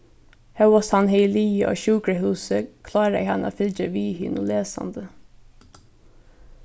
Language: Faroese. hóast hann hevði ligið á sjúkrahúsi kláraði hann at fylgja við hinum lesandi